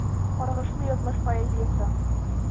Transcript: Каргышлы язмыш поэзиясе.